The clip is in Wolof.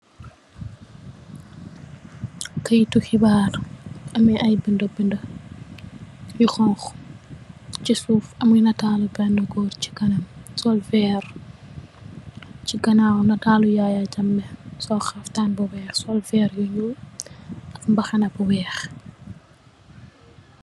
Kaitu xibar ameh ayy binda binda yu xonxu si suff ameh natallu bena gorr si kanam sol verr si ganaw natalu Yaya Jammeh sol xaftan bu wekh sol verr yu ñul deff mbaxna bu wekh.